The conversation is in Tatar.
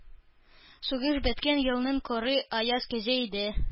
Сугыш беткән елның коры, аяз көзе иде.